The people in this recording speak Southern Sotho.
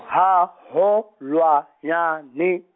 haholwanyane.